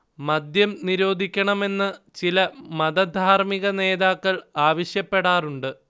മദ്യം നിരോധിക്കണമെന്ന് ചില മത ധാർമ്മികനേതാക്കൾ ആവശ്യപ്പെടാറുണ്ട്